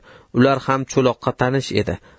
ular ham cho'loqqa tanish edi